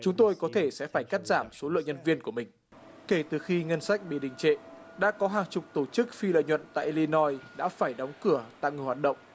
chúng tôi có thể sẽ phải cắt giảm số lượng nhân viên của mình kể từ khi ngân sách bị đình trệ đã có hàng chục tổ chức phi lợi nhuận tại i li noi đã phải đóng cửa tăng hoạt động